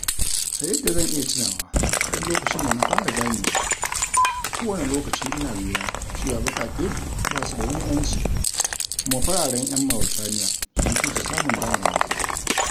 A yadda zan iya tunawa, tun lokacin da na fara ganewa, a kowane lokaci ina lura cewa baƙaƙe ba su da wani 'yanci, kuma fararen 'yan Mauritaniya sun fi samun damarmaki.